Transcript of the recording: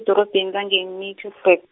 -dorobhen lange- Middelburg.